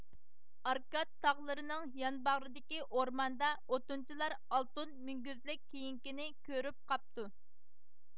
ئاركاد تاغلىرىنىڭ يانباغرىدىكى ئورماندا ئوتۇنچىلار ئالتۇن مۈڭگۈزلۈك كېيىنكىنى كۆرۈپ قاپتۇ